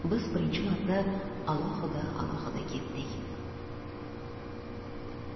biz birinchi marta alohida alohida ketdik